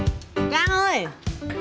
ơi